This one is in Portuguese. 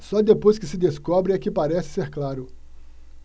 só depois que se descobre é que parece ser claro